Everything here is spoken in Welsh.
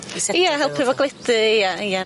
Ia helpu fo gledu ia ia.